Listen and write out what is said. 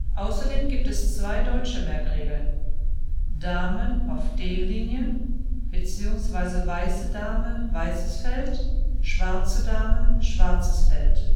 Außerdem gibt es zwei deutsche Merkregeln: " Damen auf D-Linie " bzw. Weiße Dame, weißes Feld - Schwarze Dame, schwarzes Feld